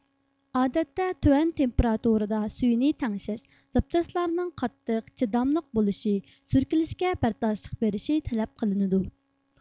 ئادەتتە تۆۋەن تېمپىراتۇرىدا سۈيىنى تەڭشەش زاپچاسلارنىڭ قاتتىق چىداملىق بولۇشى سۈركىلىشكە بەرداشلىق بېرىشى تەلەپ قىلىنىدۇ